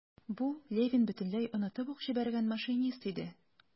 Бу - Левин бөтенләй онытып ук җибәргән машинист иде.